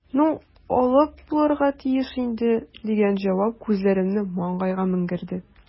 "ну, алып булырга тиеш инде", – дигән җавап күзләремне маңгайга менгерде.